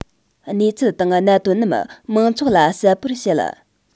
གནས ཚུལ དང གནད དོན རྣམས མང ཚོགས ལ གསལ པོར བཤད